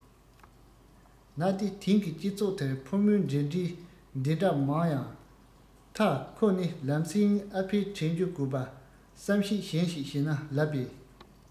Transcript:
ན ཏེ དེང གི སྤྱི ཚོགས དེར ཕོ མོའི འབྲེལ འདྲིས འདི འདྲ མང ཡང མཐའ ཁོ ནི ལམ སེང ཨ ཕའི དྲན རྒྱུ དགོས པ བསམ གཞིག གཞན ཞིག བྱས ན ལབ པས